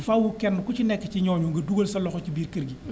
faaw kenn ku ci nekk ci ñooñu nga dugal sa loxo ci biir kër gi